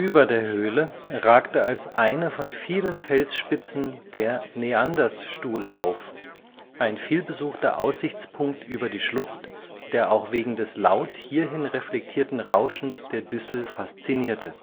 Über der Höhle ragte als eine von vielen Felsspitzen der Neandersstuhl auf, ein viel besuchter Aussichtspunkt über die Schlucht, der auch wegen des laut hierhin reflektierten Rauschens der Düssel faszinierte